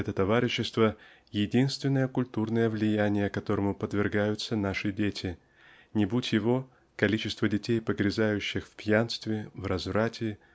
это товарищество -- единственное культурное влияние которому подвергаются наши дети. Не будь его количество детей погрязающих в пьянстве в разврате